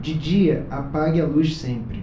de dia apague a luz sempre